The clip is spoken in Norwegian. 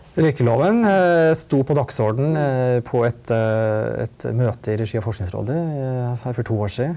røykeloven sto på dagsordenen på et et møte i regi av Forskningsrådet her for to år sia.